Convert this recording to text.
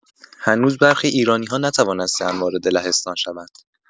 هنوز برخی ایرانی‌‌ها نتوانسته‌اند وارد لهستان شوند.